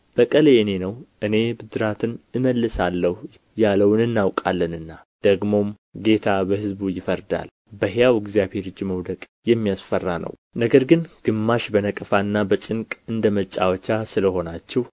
በቀል የእኔ ነው እኔ ብድራትን እመልሳለሁ ያለውን እናውቃለንና ደግሞም ጌታ በሕዝቡ ይፈርዳል በሕያው እግዚአብሔር እጅ መውደቅ የሚያስፈራ ነው ነገር ግን ግማሽ በነቀፋና በጭንቅ እንደ መጫወቻ ስለ ሆናችሁ